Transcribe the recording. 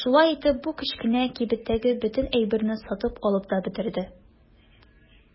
Шулай итеп бу кечкенә кибеттәге бөтен әйберне сатып алып та бетерде.